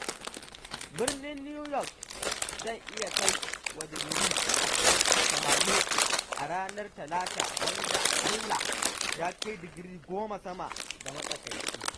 Birnin New York zai iya kai wa digiri 80 a ranar Talata, wanda aƙalla ya kai digiri 10 sama da matsakaici.